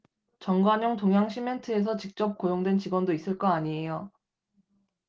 정관용 동양시멘트에서 직접 고용된 직원도 있을 거 아니에요